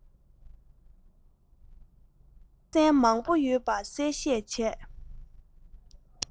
ཨ ན མ ནའི སྤང ཐང ཞིག ཏུ ཉུལ བཞིན འདུག